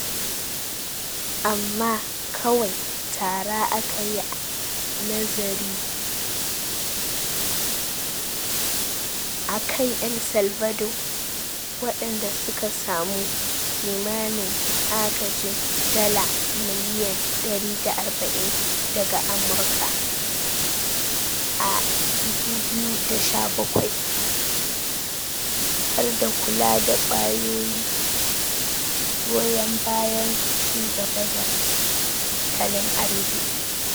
Amma kawai tara aka yi nazari akan El Salvador, waɗanda suka samu kimanin agajin dala miliyan 140 daga Amurka a 2017, harda kula da kwayoyi, goyon bayan ci gaba da tattalin arziki.